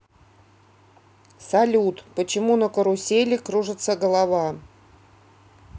салют почему на карусели кружится голова